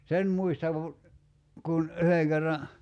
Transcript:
sen muistan kun yhden kerran